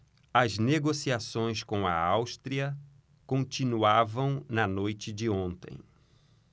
as negociações com a áustria continuavam na noite de ontem